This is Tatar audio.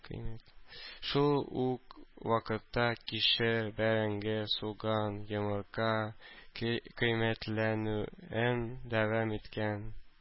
Шул ук вакытта кишер, бәрәңге, суган, йомырка кыйммәтләнүен дәвам иткән.